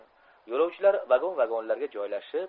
yo'lovchilar vagon vagonlarga joylashib